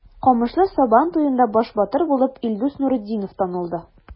Камышлы Сабан туенда баш батыр булып Илдус Нуретдинов танылды.